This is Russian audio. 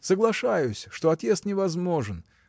Соглашаюсь, что отъезд невозможен.